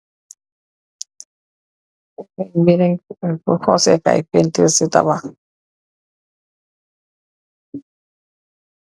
Beri hoseh kai painturr si tabax.